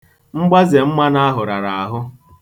Mgbaze mmanụ ahụ rara ahụ.